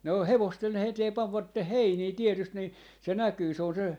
ne on hevosten eteen panivat heiniä tietysti niin se näkyy se on se